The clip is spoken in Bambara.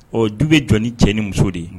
Ɔ ju bɛ jɔ ni cɛ ni muso de